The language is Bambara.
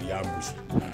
Y'a mi